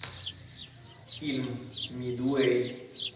фильм мидуэй